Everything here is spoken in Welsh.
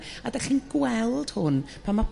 A dych chi'n gweld hwn pan ma'